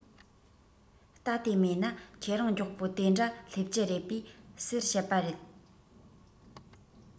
རྟ དེ མེད ན ཁྱེད རང མགྱོགས པོ དེའི འདྲ སླེབས ཀྱི རེད པས ཟེར བཤད པ རེད